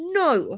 No